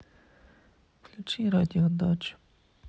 включи радио дачу